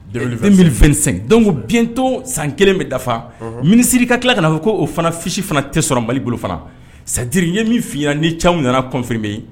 2025, donc bientôt san 1 bɛ dafa, unhun, minisiri ka tila kana fɔ ko o fana fiche fana tɛ sɔrɔ Mali bolo fana. C'est à dire n ye min f'i ɲɛna ni Camu nana confirmer